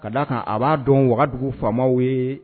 Ka d'a kan a b'a dɔn Wagadugu famaw yee